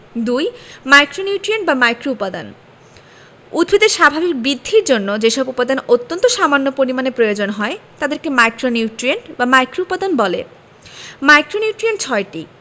২ micronutrient বা মাইক্রোউপাদান উদ্ভিদের স্বাভাবিক বৃদ্ধির জন্য যেসব উপাদান অত্যন্ত সামান্য পরিমাণে প্রয়োজন হয় তাদেরকে মাইক্রোনিউট্রিয়েন্ট বা মাইক্রোউপাদান বলে মাইক্রোনিউট্রিয়েন্ট ৬টি